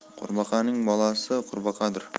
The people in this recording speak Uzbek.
qurbaqaning bolasi qurbaqadir